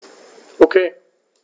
Okay.